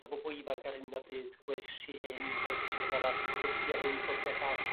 a bobol ifanc ar hyn o bryd gwersi hyn gwersi 'wbath arall clwbia' hyn clwbia' llall.